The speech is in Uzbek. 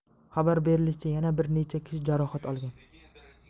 xabar berilishicha yana bir necha kishi jarohat olgan